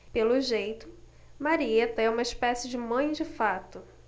pelo jeito marieta é uma espécie de mãe de fato